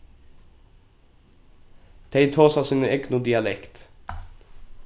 tey tosa sína egnu dialekt